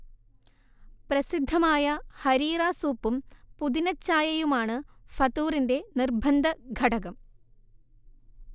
പ്രസിദ്ധമായ 'ഹരീറ' സൂപ്പും പുതിനച്ചായയുമാണ് ഫതൂറിന്റെ നിർബന്ധ ഘടകം